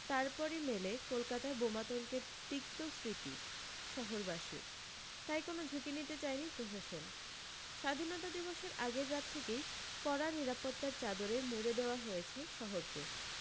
তারপরি মেলে কলকাতায় বোমাতঙ্কের তিক্ত স্মৃতি শহরবাসীর তাই কোনও ঝুঁকি নিতে চায়নি প্রশাসন স্বাধীনতা দিবসের আগের রাত থেকেই কড়া নিরাপত্তার চাদরে মুড়ে দেওয়া হয়েছে শহরকে